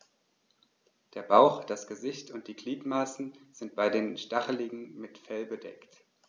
Der Bauch, das Gesicht und die Gliedmaßen sind bei den Stacheligeln mit Fell bedeckt.